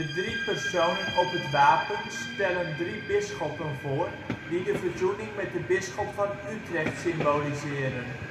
drie personen op het wapen stellen drie bisschoppen voor, die de verzoening met de bisschop van Utrecht in de symboliseren